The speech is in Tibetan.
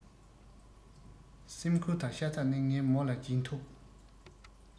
སེམས ཁུར དང ཤ ཚ ནི ངས མོ ལ སྦྱིན ཐུབ